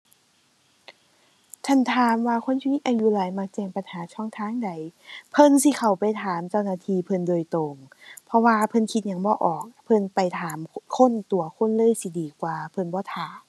ถั้นถามว่าคนที่มีอายุหลายมักแจ้งปัญหาช่องทางใด เพิ่นสิเข้าไปถามเจ้าหน้าที่เพิ่นโดยตรง เพราะว่าเพิ่นคิดหยังบ่ออกเพิ่นไปถามคนตั่ว คนเลยสิดีกว่า เพิ่นบ่ท่า